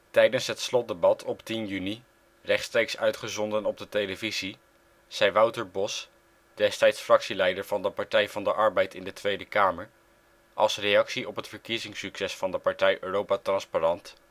Tijdens het slotdebat op 10 juni, rechtstreeks uitgezonden op de televisie, zei Wouter Bos, destijds fractieleider van de Partij van de Arbeid in de Tweede Kamer, als reactie op het verkiezingssucces van de partij Europa Transparant